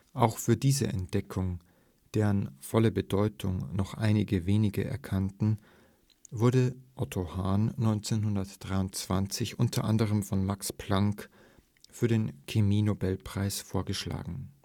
Auch für diese Entdeckung, deren volle Bedeutung doch einige wenige erkannten, wurde Otto Hahn 1923, unter anderem von Max Planck, für den Chemie-Nobelpreis vorgeschlagen